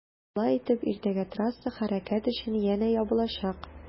Шулай итеп иртәгә трасса хәрәкәт өчен янә ябылачак.